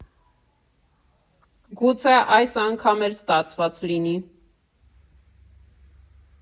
Գուցե այս անգամ էլ ստացված լինի։